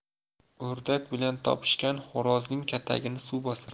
o'rdak bilan topishgan xo'rozning katagini suv bosar